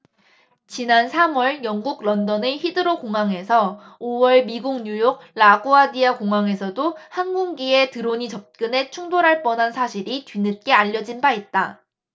지난 삼 월 영국 런던의 히드로공항에서 오 월 미국 뉴욕 라구아디아공항에서도 항공기에 드론이 접근해 충돌할 뻔한 사실이 뒤늦게 알려진 바 있다